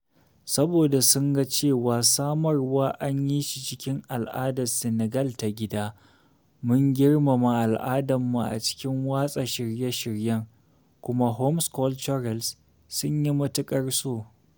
Saboda sun ga cewa samarwa an yi shi cikin al'adar Senegal ta gida… mun girmama al'adarmu a cikin watsa shirye-shiryen kuma “hommes culturels” sun yi matuƙar so.